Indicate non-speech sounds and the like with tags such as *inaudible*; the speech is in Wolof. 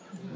*hesitation* *hesitation*